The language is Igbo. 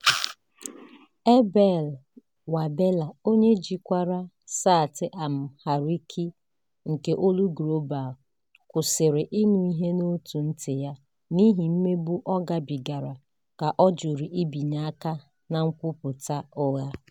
Abel Wabella, onye jikwara saịtị Amhariiki nke Global Voices, kwụsịrị ịnụ ihe n'ótù ntị ya n'ihi mmegbu ọ gabigara ka ọ jụrụ ibinye aka na nkwupụta ụgha.